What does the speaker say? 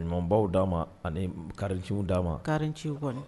Ɲumanbaw d'a ma ani karinciw d'a ma karinciw kɔni